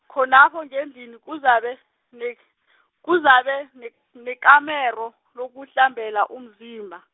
khonapho ngendlini kuzabe, ne kuzabe ne nekamero, lokuhlambela umzimba.